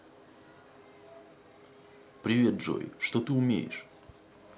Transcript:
привет джой что ты умеешь